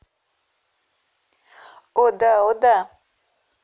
о да о да